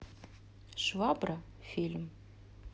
швабра фильм